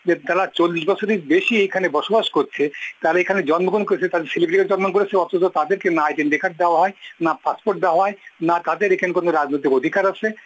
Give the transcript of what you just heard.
যে তারা ৪০ বছরের বেশি এখানে বসবাস করছে তারা এখানে জন্মগ্রহণ করেছে অথচ তাদেরকে না আইডেন্টিটি কার্ড দেওয়া হয় না পাসপোর্ট দেওয়া হয় না তাদের এখানে কোন রাজনৈতিক অধিকার আছে